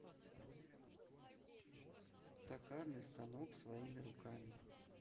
токарный станок своими руками